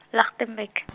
Lichtenburg .